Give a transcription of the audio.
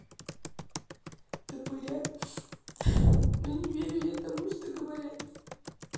топыря но не верю я тому что говорят